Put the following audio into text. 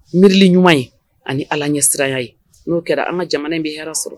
Miiririli ɲuman ye ani ala ɲɛsira ye n'o kɛra an ma jamana in bɛ hɛrɛ sɔrɔ